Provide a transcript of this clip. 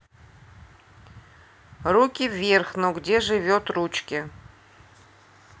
руки верх но где живет ручки